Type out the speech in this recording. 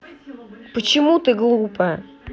почему ты глупая